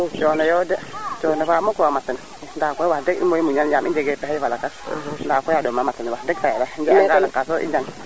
cono yo de cona fa muko maten nda koy wax deg in mboy mbiyan yaam i njege pexey fa alakas nda koy a ɗoma mat wax deg fa yala i nga a nga lakaso i njang